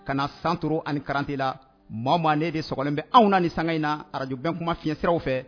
Ka na santuraro ani kalanrantee la mama ne debɛn anw na ni san in na arajɔn kuma fi fiɲɛɲɛsiraraww fɛ